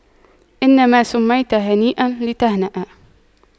إنما سُمِّيتَ هانئاً لتهنأ